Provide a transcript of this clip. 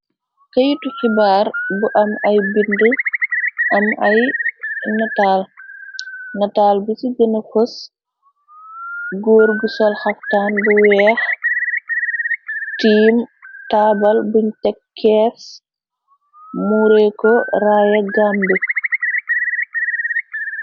Këytu xibaar bu am ay bind am ay natal. Nataal bi ci gëna fos góur gu sol xaftaan bu weex. Tiam taabal buñ teg keefs muure ko raaya gam be.